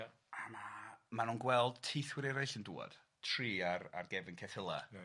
a ma- ma' nw'n gweld teithwyr eraill yn dŵad, tri ar ar gefn ceffyla... Reit... meirch 'de?